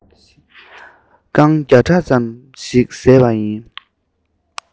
རྐང བརྒྱ ཕྲག ཙམ ཞིག བཟས པ ཡིན